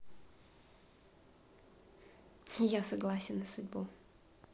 я согласен на судьбу